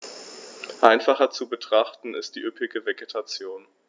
Einfacher zu betrachten ist die üppige Vegetation.